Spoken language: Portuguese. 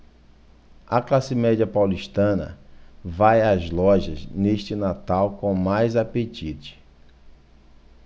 a classe média paulistana vai às lojas neste natal com mais apetite